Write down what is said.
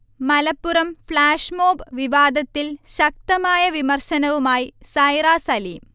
Malappuram flash mob വിവാദത്തിൽ ശക്തമായ വിമർശനവുമായി സൈറ സലീം